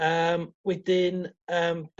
yym wedyn yym